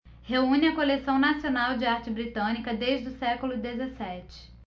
reúne a coleção nacional de arte britânica desde o século dezessete